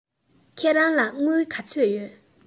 ཁྱེད རང ལ དངུལ ག ཚོད ཡོད